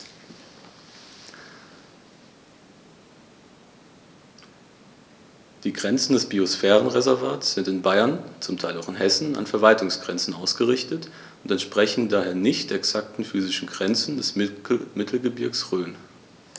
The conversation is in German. Die Grenzen des Biosphärenreservates sind in Bayern, zum Teil auch in Hessen, an Verwaltungsgrenzen ausgerichtet und entsprechen daher nicht exakten physischen Grenzen des Mittelgebirges Rhön.